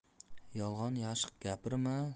yolg'on yashiq gapirma